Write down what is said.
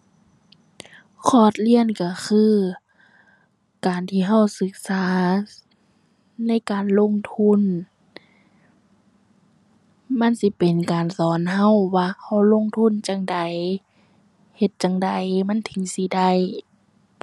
คอร์สเรียนก็คือการที่ก็ศึกษาในการลงทุน มันสิเป็นการสอนก็ว่าก็ลงทุนจั่งใด เฮ็ดจั่งใดมันถึงสิได้